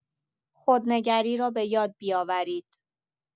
خودنگری را بۀاد بیاورید